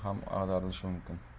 yo'lda ham ag'darilishi mumkin